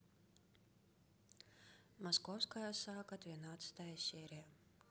московская сага девятнадцатая серия